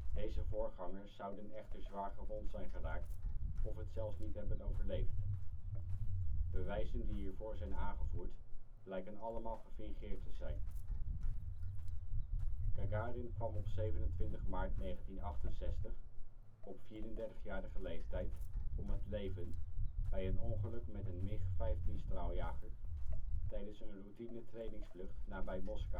Deze voorgangers zouden echter zwaar gewond zijn geraakt of het zelfs niet hebben overleefd. Bewijzen die hiervoor zijn aangevoerd blijken allemaal gefingeerd te zijn. Gagarin kwam op 27 maart 1968 op 34-jarige leeftijd om het leven bij een ongeluk met een MiG-15 straaljager tijdens een routinetrainingsvlucht nabij Moskou